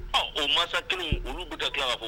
Ɔ o mansa kelen in olu bɛ ka tila k'a fɔ